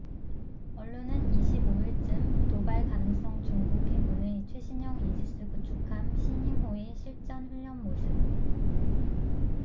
언론은 이십 오 일쯤 도발 가능성중국 해군의 최신형 이지스 구축함 시닝호의 실전훈련 모습